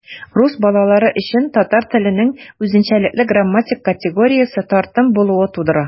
Рус балалары өчен татар теленең үзенчәлекле грамматик категориясе - тартым булуы тудыра.